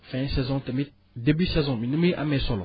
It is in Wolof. fin saison tamit début saison bi ni muy amee solo